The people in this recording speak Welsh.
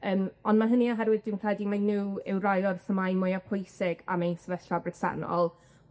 Yym on' ma' hynny oherwydd dwi'n credu mae nw yw rai o'r themâu mwya pwysig am ein sefyllfa bresennol.